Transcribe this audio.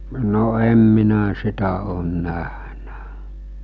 no en minä sitä ole nähnyt